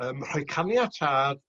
yym rhoi caniatad